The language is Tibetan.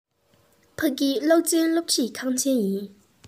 ཕ གི གློག ཅན སློབ ཁྲིད ཁང ཆེན ཡིན